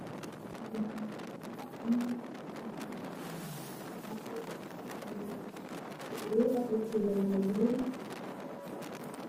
Waa saako dumar oo midabkeedu yahay madow waa ku jirto boom bal cadaan